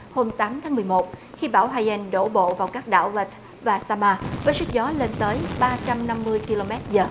hôm tám tháng mười một khi bão hai ren đổ bộ vào các đảo lật và sa mạc với sức gió lên tới ba trăm năm mươi ki lô mét giờ